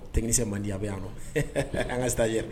Tɛkisɛ mande di bɛ yan nɔ an ka taa ye